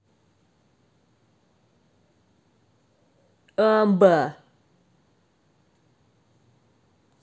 амба